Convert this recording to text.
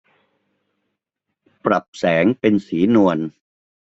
ปรับแสงเป็นสีนวล